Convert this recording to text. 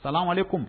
Salaamlekun